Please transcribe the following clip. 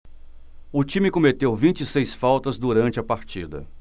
o time cometeu vinte e seis faltas durante a partida